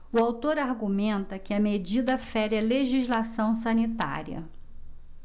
o autor argumenta que a medida fere a legislação sanitária